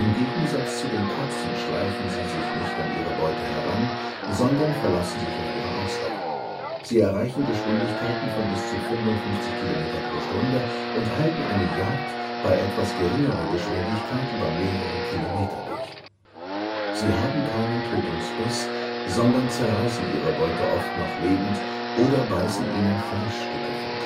Gegensatz zu den Katzen schleichen sie sich nicht an ihre Beute heran, sondern verlassen sich auf ihre Ausdauer. Sie erreichen Geschwindigkeiten von bis zu 55 km/h und halten eine Jagd bei etwas geringerer Geschwindigkeit über mehrere Kilometer durch. Sie haben keinen Tötungsbiss, sondern zerreißen ihre Beute oft noch lebend oder beißen ihnen Fleischstücke vom Körper